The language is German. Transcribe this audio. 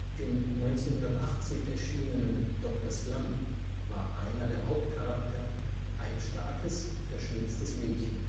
Im 1980 erschienenen Dr. Slump war der Hauptcharakter ein starkes, verschmitztes Mädchen